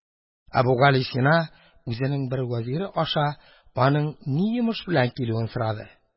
Әбүгалисина үзенең бер вәзире аша аның ни йомыш белән килүен сорады.